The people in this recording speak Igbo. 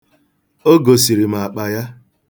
O gosiri m akpa ya.